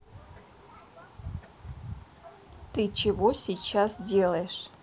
ты чего сейчас делаешь